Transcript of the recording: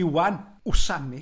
Iwan Wssami.